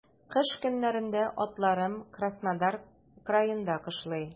Кыш көннәрендә атларым Краснодар краенда кышлый.